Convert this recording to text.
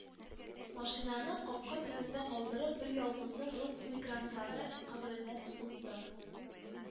Машинаны капка төбендә калдырып, берьялгызым рус эмигрантлары кабереленәт уздым